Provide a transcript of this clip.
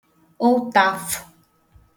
ụtafụ̄